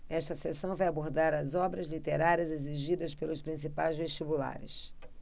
esta seção vai abordar as obras literárias exigidas pelos principais vestibulares